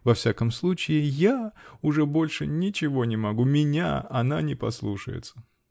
Во всяком случае, я уже больше ничего не могу! Меня она не послушается!